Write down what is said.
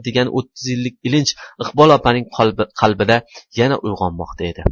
degan o'ttiz yillik ilinj iqbol opaning qalbida yana uyg'onmoqda edi